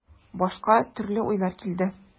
Башка төрле уйлар килде.